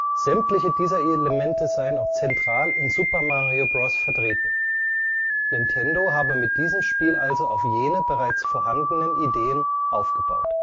Sämtliche dieser Elemente seien auch zentral in Super Mario Bros. vertreten. Nintendo habe mit diesem Spiel also auf jene bereits vorhandenen Ideen aufgebaut